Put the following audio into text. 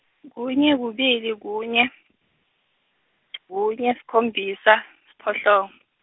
kunye kubili, kunye, kunye, sikhombisa, siphohlongo.